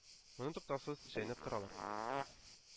Моны туктаусыз чәйнәп торалар.